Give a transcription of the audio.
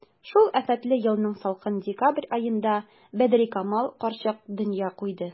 Шул афәтле елның салкын декабрь аенда Бәдрикамал карчык дөнья куйды.